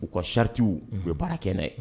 U ka charte . Unhun! u bɛ baara kɛ na ye.